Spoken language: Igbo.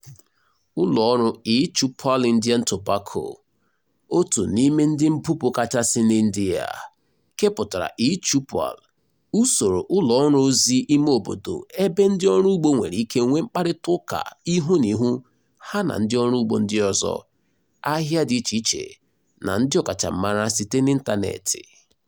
Ụlọọrụ eChoupal Indian Tobacco, otu n'ime ndị mbupụ kachasị n'India, kepụtara eChoupal, usoro ụlọọrụ ozi imeobodo ebe ndị ọrụugbo nwere ike nwee mkparịtaụka ihu na ihu ha na ndị ọrụugbo ndị ọzọ, ahịa dị icheiche na ndị ọkachamara site n'ịntaneetị.